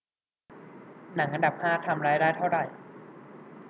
หนังอันดับห้าทำรายได้เท่าไหร่